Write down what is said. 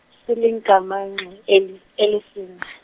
seligamanxe eli- elesine.